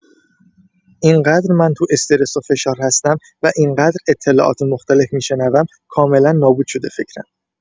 اینقدر من تو استرس و فشار هستم و اینقدر اطلاعات مختلف می‌شنوم کاملا نابود شده فکرم.